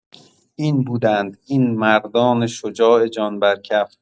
این بودند این مردان شجاع جان بر کف.